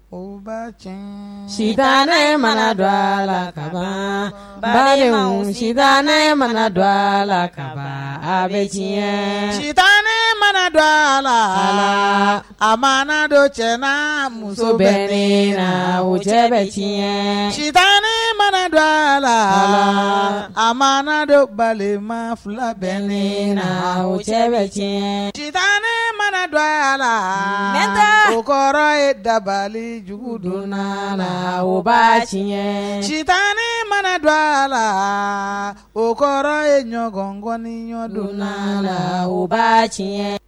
O ba cɛ sita ne mana don a la ka bali sita ne mana dɔ a la ka bɛ diɲɛ ci ne mana dɔ a la a ma dɔ cɛ na muso bɛ la wo cɛ bɛɲɛ ci ne mana don a la a ma dɔ bali ma fila bɛ le na cɛ bɛ tiɲɛ si tan ne mana don a la n o kɔrɔ ye dabalijugu donna a la o ba tiɲɛɲɛ cita ne mana don a la o kɔrɔ ye ɲɔgɔnkɔni ɲɔgɔndon la u ba tiɲɛ